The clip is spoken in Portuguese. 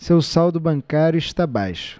seu saldo bancário está baixo